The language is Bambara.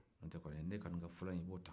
n'o tɛ ne kɔni ka fɔlɔ in i b'o ta